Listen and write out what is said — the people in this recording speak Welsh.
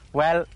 Wel